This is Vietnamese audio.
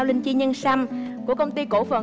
linh chi nhân sâm của công ty cổ phần